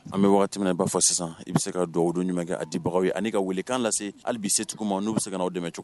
An bɛ wagati min ba fɔ sisan i bɛ se ka dugawu don ɲuman kɛ a dibagaw ye ani ka wuli k'an lase hali bi secogoma n' bɛ se n'aw dɛmɛ cogo